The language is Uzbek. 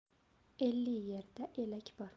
elli yerda elak bor